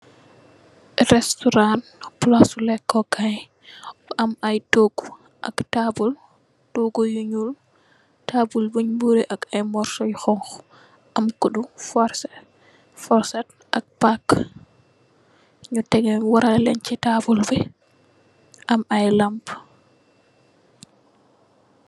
Restaurant palaci leeku kai bu am ay togu tabul togu yu nuul tabul bun morex ak ay morso yu xonxa am kodu fuseet ak paka nyu tegex wuralen si tabul bi am ay lampa.